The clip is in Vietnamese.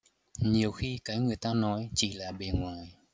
nhiều khi cái người ta nói chỉ là bề ngoài